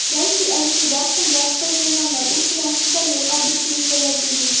Бәлки әле туйдан соң барысы да җайланыр, ут белән су да елга бер килешәләр, ди бит.